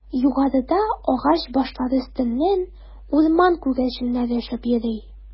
Югарыда агач башлары өстеннән урман күгәрченнәре очып йөри.